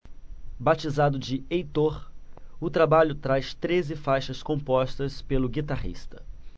batizado de heitor o trabalho traz treze faixas compostas pelo guitarrista